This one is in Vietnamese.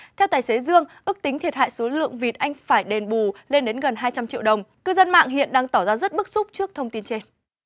theo tài xế dương ước tính thiệt hại số lượng vịt anh phải đền bù lên đến gần hai trăm triệu đồng cư dân mạng hiện đang tỏ ra rất bức xúc trước thông tin trên